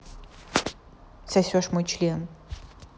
сосешь мой член